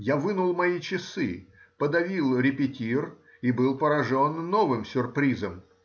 Я вынул мои часы, подавил репетир и был поражен новым сюрпризом